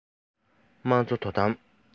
དམངས གཙོ དོ དམ